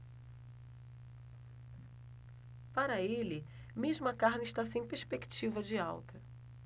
para ele mesmo a carne está sem perspectiva de alta